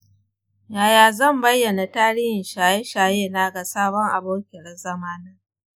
yaya zan bayyana tarihin shaye-shayena ga sabon abokiyar zamana?